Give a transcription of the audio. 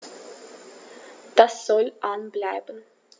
Das soll an bleiben.